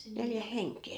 neljä henkeä